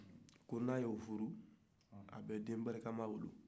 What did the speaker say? ko n'a y'o furu a bɛ ten barikama wolo